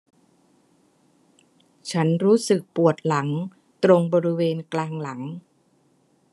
ฉันรู้สึกปวดหลังตรงบริเวณกลางหลัง